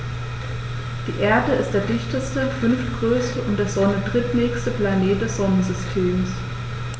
Die Erde ist der dichteste, fünftgrößte und der Sonne drittnächste Planet des Sonnensystems.